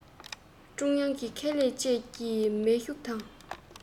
ཀྲུང དབྱང གི ཁེ ལས བཅས ཀྱིས མི ཤུགས དང